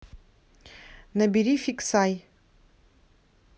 набери фиксай